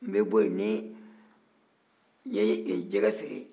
n bɛ bɔ ye ni n ye jɛgɛ feere